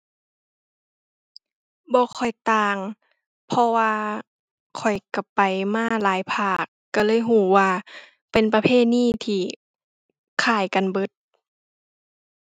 บ่ค่อยต่าง เพราะว่าข้อยก็ไปมาหลายภาค ก็เลยก็ว่าเป็นประเพณีที่คล้ายกันเบิด